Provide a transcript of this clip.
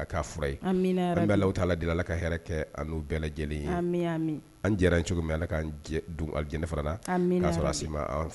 La' la di ala ka kɛ an n' bɛɛ lajɛlen an jɛra cogo ala' jɛnɛ fana'a sɔrɔ a sin